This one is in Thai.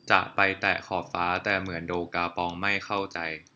จะไปแตะขอบฟ้าแต่เหมือนโดกาปองไม่เข้าใจ